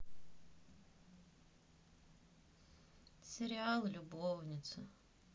сериал любовница